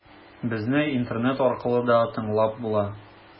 Безне интернет аркылы да тыңлап була.